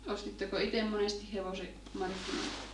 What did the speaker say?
ostitteko itse monesti hevosen markkinoilta